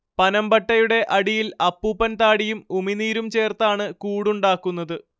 പനമ്പട്ടയുടെ അടിയിൽ അപ്പൂപ്പൻ താടിയും ഉമിനീരും ചേർത്താണ് കൂടുണ്ടാക്കുന്നത്